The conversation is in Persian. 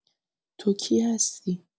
تو کی هستی؟